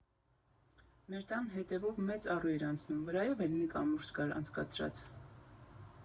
Մեր տան հետևով մեծ առու էր անցնում, վրայով էլ մի կամուրջ կար անցկացրած։